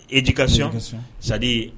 Éducation. C'est à dire